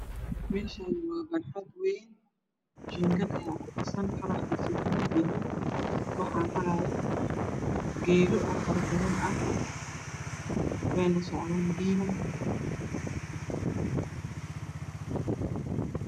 Meeshaani waa barxad wayn jiinkad ayaa ku dhisan kalarkiisa guduud yahay waxaa maraayo geelo faro badan la socdaan